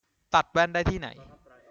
ตัดแว่นได้ที่ไหน